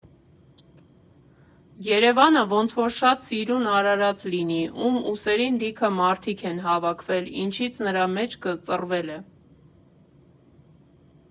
Երևանը ոնց որ շատ սիրուն արարած լինի, ում ուսերին լիքը մարդիկ են հավաքվել, ինչից նրա մեջքը ծռվել է.